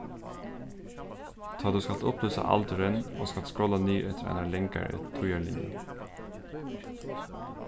tá tú skalt upplýsa aldurin og skalt skrolla niður eftir einari langari tíðarlinju